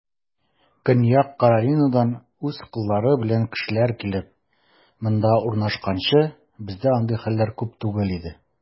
Көньяк Каролинадан үз коллары белән кешеләр килеп, монда урнашканчы, бездә андый хәлләр күп түгел иде.